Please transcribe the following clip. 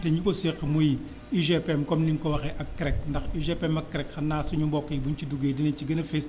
te ñi ko seq muy UGPM comme ni mu ko waxee ak CREC ndax UGPM ak CREC xam naa suñu mbokk yi bu ñu si duggee dinañu ci gën a fës